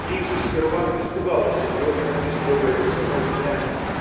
Лизу сперва испугало серьезное и строгое лицо новой няни